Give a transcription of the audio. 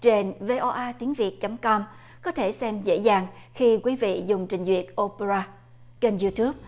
trên vê o a tiếng việt chấm com có thể xem dễ dàng khi quý vị dùng trình duyệt o poa ra kênh iu túp